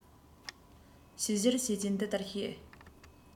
བྱིལ བྱིལ བྱེད ཀྱིན འདི ལྟར བཤད